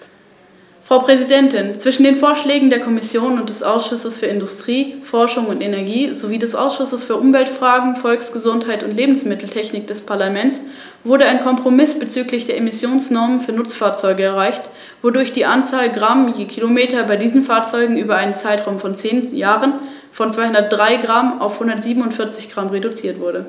Ich danke Frau Schroedter für den fundierten Bericht.